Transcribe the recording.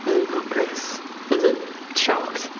Fel yn hapus ond yn shocked.